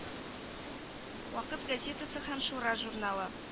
Вакыт газетасы һәм шура журналы